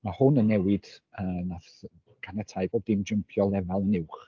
Mae hwn yn newid yy wnaeth ganiatáu bob dim jympio lefel yn uwch.